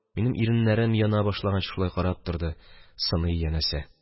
Минем иреннәрем яна башлаганчы шулай карап торды, сыный, янәсе.